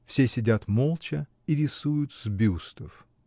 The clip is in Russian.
Все сидят молча и рисуют с бюстов.